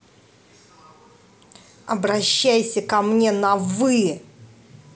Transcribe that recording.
обращайся ко мне на вы